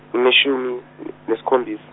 elishumi n- nesikhombis-.